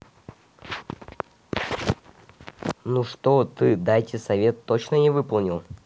ну что ты дайте совет точно не выполнил